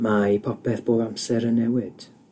mae popeth bob amser yn newid.